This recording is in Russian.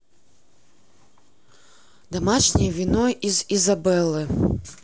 домашнее вино из изабеллы